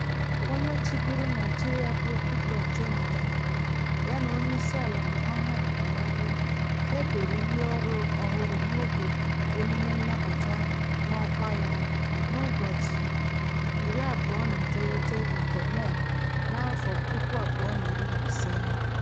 Onye chịburu Naịjirịa bụ Goodluck Jonathan ya na Onyeisiala Muhammadu Buhari e doro iyi ọrụ ọhụrụ n'oge emume nnabata n'ọkwa ya n'ụbọchị 29 nke Mee, 2015.